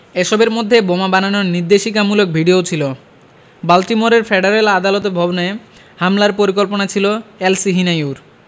এসবের মধ্যে বোমা বানানোর নির্দেশিকামূলক ভিডিও ছিল বাল্টিমোরের ফেডারেল আদালত ভবনে হামলার পরিকল্পনা ছিল এলসহিনাইউর